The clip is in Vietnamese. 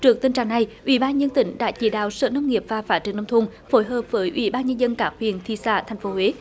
trước tình trạng này ủy ban nhân dân tỉnh đã chỉ đạo sở nông nghiệp và phát triển nông thôn phối hợp với ủy ban nhân dân các huyện thị xã thành phố huế